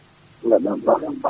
mbaɗɗa Ba